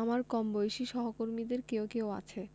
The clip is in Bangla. আমার কমবয়সী সহকর্মীদের কেউ কেউ আছে